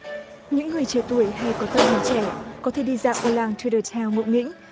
những người trẻ tuổi hay có tâm hồn trẻ có thể đi dạo qua lang tơ đơ theo ngộ nghĩnh